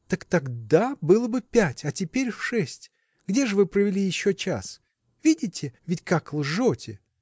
– Так тогда было бы пять, а теперь шесть. Где ж вы провели еще час? видите, ведь как лжете!